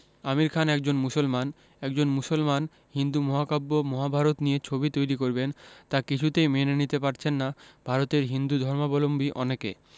আমির খান একজন মুসলমান একজন মুসলমান হিন্দু মহাকাব্য মহাভারত নিয়ে ছবি তৈরি করবেন তা কিছুতেই মেনে নিতে পারছেন না ভারতের হিন্দুধর্মাবলম্বী অনেকে